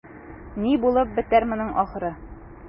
Ни булып бетәр моның ахыры?